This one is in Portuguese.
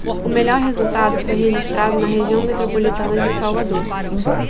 o melhor resultado foi registrado na região metropolitana de salvador